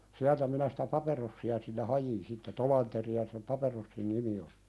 sieltä minä sitä paperossia sille hain sitten Tolanderia sen paperossin nimi oli